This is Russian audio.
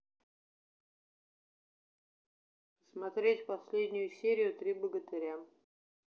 посмотреть последнюю серию три богатыря